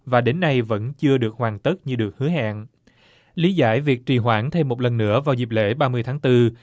và đến nay vẫn chưa được hoàn tất như được hứa hẹn lý giải việc trì hoãn thêm một lần nữa vào dịp lễ ba mươi tháng tư